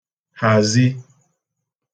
hàzi